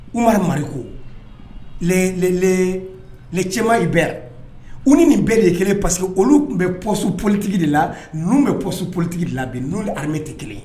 U mari mariri ko cɛmanma in bɛɛ yan u ni nin bɛɛ de ye kelen pa que olu tun bɛ ps politigi de la n bɛ p su politigi de la bi n ni hame tɛ kelen ye